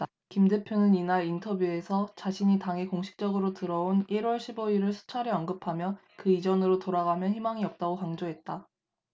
김 대표는 이날 인터뷰에서 자신이 당에 공식적으로 들어온 일 월 십 오 일을 수차례 언급하며 그 이전으로 돌아가면 희망이 없다고 강조했다